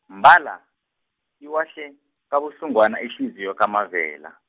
mbala, iwahle, kabuhlungwana ihliziyo kaMavela.